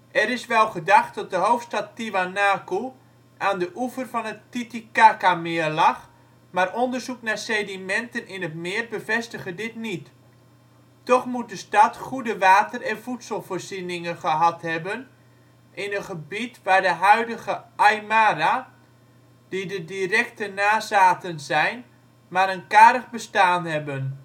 Er is wel gedacht dat de hoofdstad Tiwanaku aan de oever van het Titicacameer lag, maar onderzoek naar sedimenten in het meer bevestigen dit niet. Toch moet de stad goede water - en voedselvoorzieningen gehad hebben in een gebied waar de huidige Aymara, die de directe nazaten zijn, maar een karig bestaan hebben